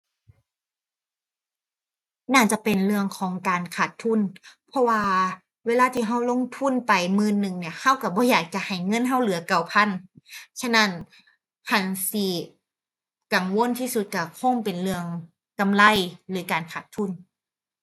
น่าจะเป็นเรื่องของการขาดทุน เพราะว่าเวลาที่เราลงทุนไปหมื่นหนึ่งเนี่ย เราเราบ่อยากจะให้เงินเราเหลือเก้าพัน ฉะนั้น คันสิกังวลที่สุดเราคงเป็นเรื่องกำไรหรือการขาดทุน ⁠